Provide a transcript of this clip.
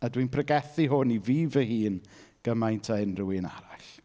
A dwi'n pregethu hwn i fi fy hun gymaint a unrhyw un arall.